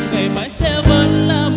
sẽ vẫn là